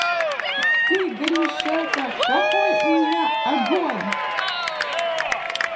ты горишека какой у меня огонь